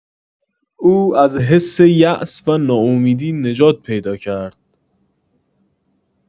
او از حس یاس و ناامیدی نجات پیدا کرد